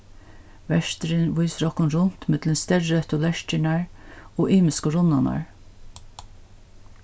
verturin vísir okkum runt millum steyrrøttu lerkirnar og ymisku runnarnar